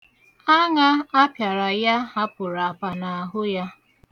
Aṅa apịara ya hapụrụ apa n'ahụ ya.